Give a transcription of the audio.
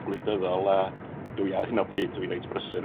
###gwleidyddol, a dwi ar hyn o bryd, dwi'n reit brysur